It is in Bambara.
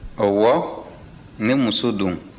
ɔwɔ ne muso don